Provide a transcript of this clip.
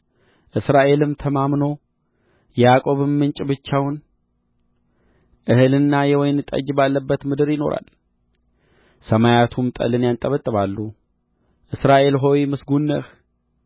እስራኤልም ተማምኖ የያዕቆብም ምንጭ ብቻውን እህልና የወይን ጠጅ ባለባት ምድር ይኖራል ሰማያቱም ጠልን ያንጠባጥባሉ እስራኤል ሆይ ምስጉን ነህ